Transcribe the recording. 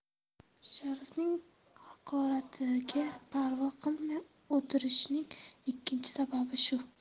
sharifning haqoratiga parvo qilmay o'tirishining ikkinchi sababi shu